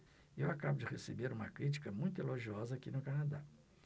eu acabo de receber uma crítica muito elogiosa aqui no canadá